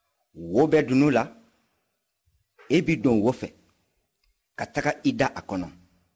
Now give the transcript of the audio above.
wo bɛ dunun la e b'i don wo fɛ ka taga i da a kɔnɔ